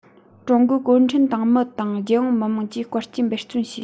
ཀྲུང གོའི གུང ཁྲན ཏང མི དང རྒྱལ ཡོངས མི དམངས ཀྱིས དཀའ སྤྱད འབད བརྩོན བྱས